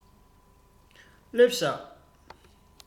སླེབས བཞག